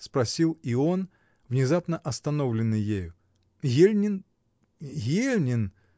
— спросил и он, внезапно остановленный ею. — Ельнин — Ельнин.